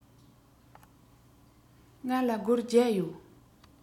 ང ལ སྒོར བརྒྱ ཡོད